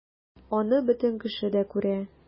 Аны бөтен кеше дә күрә...